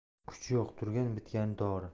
kuchi yo'q turgan bitgani dori